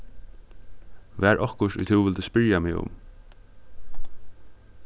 var okkurt ið tú vildi spyrja meg um